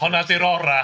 Honna 'di'r ora.